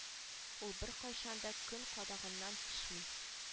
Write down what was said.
Ул беркайчан да көн кадагыннан төшми